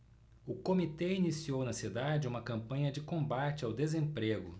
o comitê iniciou na cidade uma campanha de combate ao desemprego